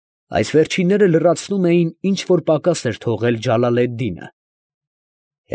Այս վերջինները լրացնում էին, ինչ որ պակաս էր թողել Ջալալեդդինը։